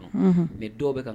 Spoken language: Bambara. Mɛ dɔw bɛ ka